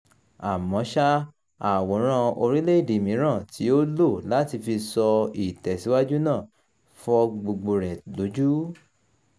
Àmọ́ ṣá, àwòrán orílẹ̀-èdè mìíràn tí ó lò láti fi sọ "ìtẹ̀síwájú" náà, fọ́ gbogbo rẹ̀ lójú.